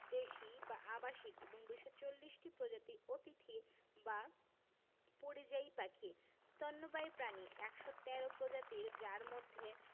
দেশী বা আবাসিক এবং ২৪০ টি প্রজাতি অতিথি বা পরিযায়ী পাখি স্তন্যপায়ী প্রাণী ১১৩ প্রজাতির যার মধ্যে